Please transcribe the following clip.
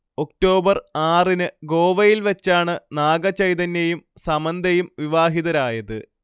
October ആറിന് ഗോവയിൽ വെച്ചാണ് നാഗചൈതന്യയും സമന്തയും വിവാഹിതരായത്